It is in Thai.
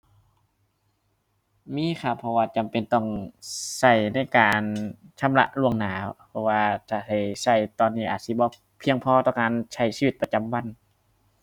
มีครับ เพราะว่าจำเป็นต้องใช้ในการชำระล่วงหน้า เพราะว่าถ้าให้ใช้ตอนนี้อาจสิบ่เพียงพอต่อการใช้ชีวิตประจำวัน